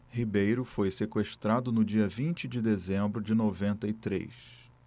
ribeiro foi sequestrado no dia vinte de dezembro de noventa e três